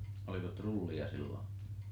oliko trulleja silloin